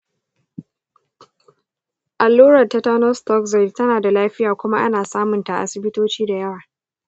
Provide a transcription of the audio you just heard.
allurar tetanus toxoid tana da lafiya kuma ana samun ta a asibitoci da yawa.